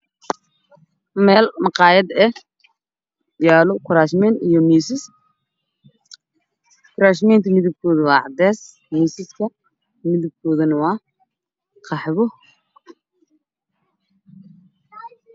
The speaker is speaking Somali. Meel maqaayad ah waxaa yaalo kuraasman iyo miisas. Kuraasmanku waa cadeys, miisaskuna waa qaxwi.